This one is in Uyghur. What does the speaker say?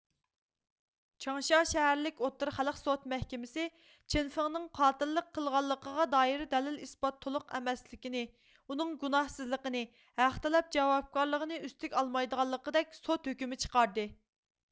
چاڭشيا شەھەرلىك ئوتتۇرا خەلق سوت مەھكىمىسىچېن فېڭنىڭ قاتىللىق قىلغانلىقىغا دائىر دەلىل ئىسپات تولۇق ئەمەسلىكىنى ئۇنىڭ گۇناھسىزلىقىنى ھەق تەلەپ جاۋابكارلىقىنى ئۈستىگە ئالمايدىغانلىقىدەك سوت ھۆكۈمى چىقاردى